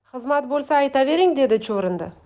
xizmat bo'lsa aytavering dedi chuvrindi